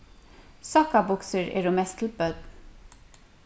sokkabuksur eru mest til børn